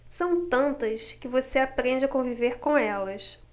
são tantas que você aprende a conviver com elas